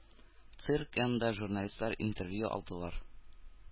Цирк янында журналистлар интервью алдылар.